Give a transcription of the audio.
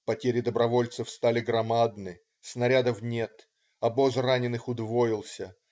Потери добровольцев стали громадны. Снарядов нет. Обоз раненых удвоился.